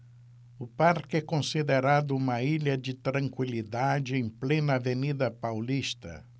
o parque é considerado uma ilha de tranquilidade em plena avenida paulista